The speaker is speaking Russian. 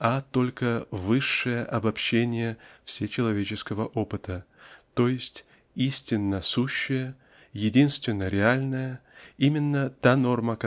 а только высшее обобщение всечеловеческого опыта т. е. истинно-сущее единственно-реальное именно та норма